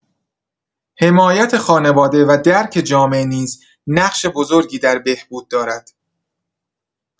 حمایت خانواده و درک جامعه نیز نقش بزرگی در بهبود دارد.